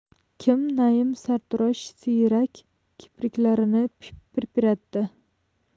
kim naim sartarosh siyrak kipriklarini pirpiratdi